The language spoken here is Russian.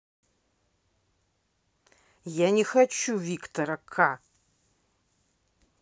я не хочу виктора ка